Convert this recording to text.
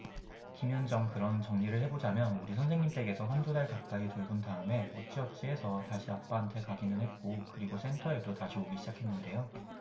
김현정 그럼 정리를 해 보자면 우리 선생님 댁에서 한 두 달 가까이 돌본 다음에 어쩌어찌해서 다시 아빠한테 가기는 했고 그리고 센터에도 다시 오기 시작했는데요